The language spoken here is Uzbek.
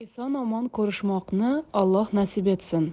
eson omon ko'rishmoqni olloh nasib etsin